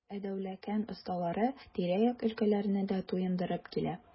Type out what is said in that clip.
Ә Дәүләкән осталары тирә-як өлкәләрне дә туендырып килә.